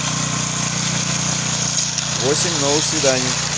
восемь новых свиданий